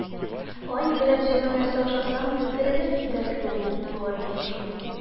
АЙ берәр җылы нәрсә ашасам иде, терелеп китәр кебек үк булам шул